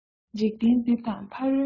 འཇིག རྟེན འདི དང ཕ རོལ གྱི